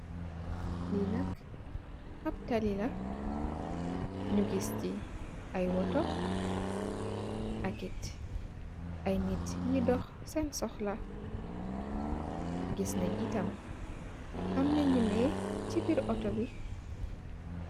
Li nak ap taali la nyu gis si ay auto aketit ay nit nyoi doh sen sohla giss nene aii tam amna nyu neh nitt si bir auto bi.